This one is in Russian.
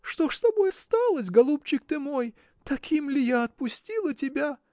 Что ж с тобой сталось, голубчик ты мой? Таким ли я отпустила тебя?